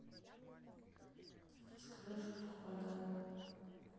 расскажи шутку про газы